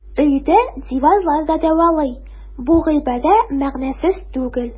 Өйдә диварлар да дәвалый - бу гыйбарә мәгънәсез түгел.